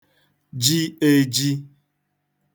ji (ējī)